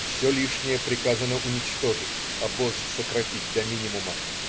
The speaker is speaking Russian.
Все лишнее приказано уничтожить, обоз сократить до минимума.